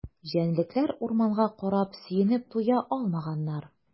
Җәнлекләр урманга карап сөенеп туя алмаганнар.